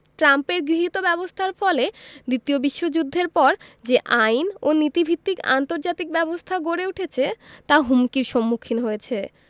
ট্রাম্পের গৃহীত ব্যবস্থার ফলে দ্বিতীয় বিশ্বযুদ্ধের পর যে আইন ও নীতিভিত্তিক আন্তর্জাতিক ব্যবস্থা গড়ে উঠেছে তা হুমকির সম্মুখীন হয়েছে